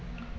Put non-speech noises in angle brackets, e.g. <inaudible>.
<hesitation> <hesitation>